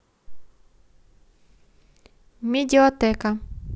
медиотека